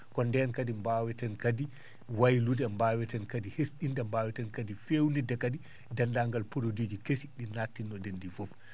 ko nden kadi mbawaten kadi waylude mbaweten kadi hes?inde mbaweten kadi fewnidde kadi denndangal produit ji kesi ?i natinno ?en ?i fof